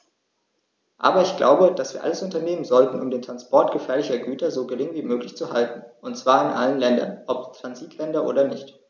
Aber ich glaube, dass wir alles unternehmen sollten, um den Transport gefährlicher Güter so gering wie möglich zu halten, und zwar in allen Ländern, ob Transitländer oder nicht.